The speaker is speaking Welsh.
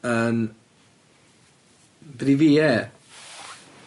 Yn, be' 'di Vee Ay?